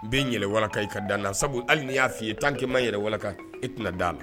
N bɛ yɛlɛwa kan i ka dan na sabu hali nin y'a f'i ye tankɛma yɛrɛwa kan i tɛna d'